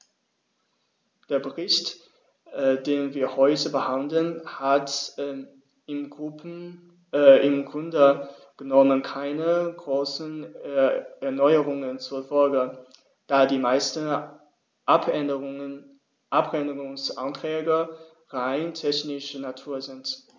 Der Bericht, den wir heute behandeln, hat im Grunde genommen keine großen Erneuerungen zur Folge, da die meisten Abänderungsanträge rein technischer Natur sind.